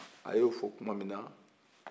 a ye o fɔ tuman min na